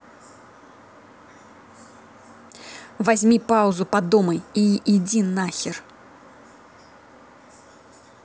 возьми паузу подумай и иди нахер